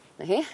'Na hi.